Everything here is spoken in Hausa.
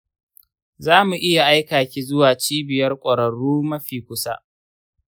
za mu iya aika ki zuwa cibiyar ƙwararru mafi kusa.